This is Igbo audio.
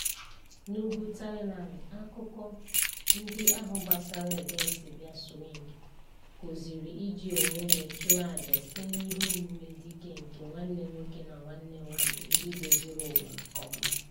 N'ugwu Thailand, akụkọ ndị Akha gbasara ebensibịa swịngị kuziri iji onwe onye chụọ aja site nihe omume dike nke nwanne nwoke na nwanne nwaanyị ndị doziri ụwa nke ọma.